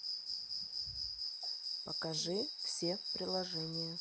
покажи все приложения